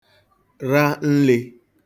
ra nlī